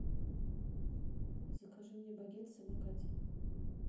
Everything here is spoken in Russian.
закажи мне багет в самокате